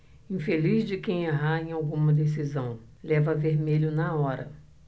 infeliz de quem errar em alguma decisão leva vermelho na hora